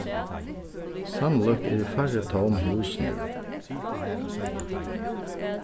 sannlíkt eru færri tóm hús nú